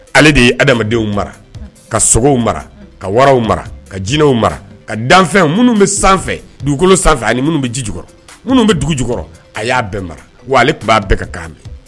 Ale de ye adamadenw mara ka sogow mara ka wararaw mara ka jinɛinɛw mara ka danfɛn minnu bɛ sanfɛ dugukolo sanfɛ ani minnu bɛ ji jukɔrɔ minnu bɛ dugu jukɔrɔ a y'a bɛɛ mara wa ale tun b'a bɛɛ ka kan mɛn